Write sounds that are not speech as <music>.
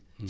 <hesitation>